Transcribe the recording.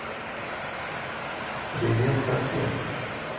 привет сосед